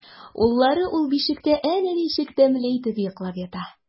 Уллары ул бишектә әнә ничек тәмле итеп йоклап ята!